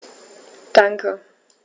Danke.